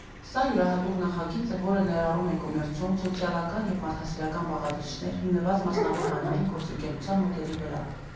Սա յուրահատուկ նախագիծ է, որը ներառում է կոմերցիոն, սոցիալական և մարդասիրական բաղադրիչներ՝ հիմնված մասնավոր֊հանրային գործընկերության մոդելի վրա։